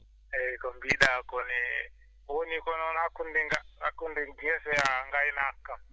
eeyi ko mbiiɗaa koo ne woni ko noon hakkunde hakkunde gese e ngaynaka ka